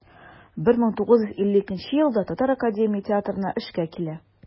1952 елда татар академия театрына эшкә килә.